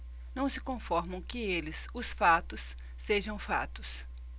não se conformam que eles os fatos sejam fatos